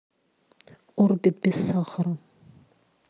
орбит без сахара